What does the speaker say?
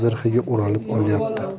zirhiga o'ralib olyapti